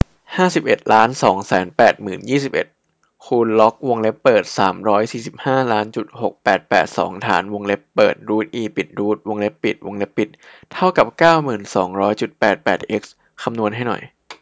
ห้าสิบเอ็ดล้านสองแสนแปดยี่สิบเอ็ดคูณล็อกวงเล็บเปิดสามร้อยสี่สิบห้าล้านจุดหกแปดแปดสองฐานวงเล็บเปิดรูทอีจบรูทวงเล็บปิดวงเล็บปิดเท่ากับเก้าหมื่นสองร้อยจุดแปดแปดเอ็กซ์คำนวณให้หน่อย